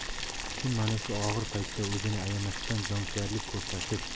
kim mana shu og'ir paytda o'zini ayamasdan jonkuyarlik ko'rsatib